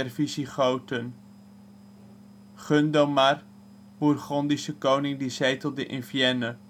Visigoten Gundomar, Bourgondische koning die zetelde in Vienne